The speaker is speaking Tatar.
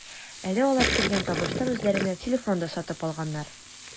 Әле алар кергән табыштан үзләренә телефон да сатып алганнар.